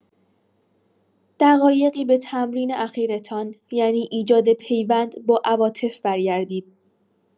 دقایقی به تمرین اخیرتان یعنی ایجاد پیوند با عواطف برگردید.